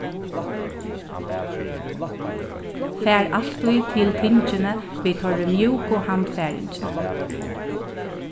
far altíð til tingini við teirri mjúku handfaringini